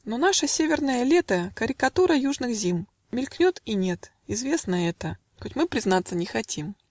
Но наше северное лето, Карикатура южных зим, Мелькнет и нет: известно это, Хоть мы признаться не хотим.